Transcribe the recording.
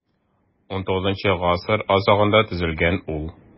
XIX гасыр азагында төзелгән ул.